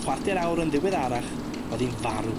Chwarter awr yn ddiweddarach o'dd 'i'n farw.